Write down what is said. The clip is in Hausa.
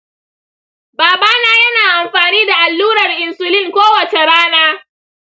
babana yana amfani da allurar insulin kowace rana.